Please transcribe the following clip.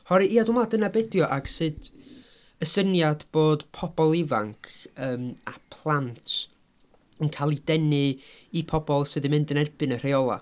Oherwy- ia dwi'n meddwl dyna be' ydy o ac sut y syniad bod pobl ifanc yym a plant yn cael eu denu i pobl sydd yn mynd yn erbyn y rheolau.